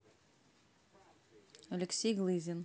алексей глызин